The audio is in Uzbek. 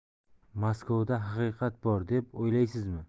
maskovda haqiqat bor deb o'ylaysizmi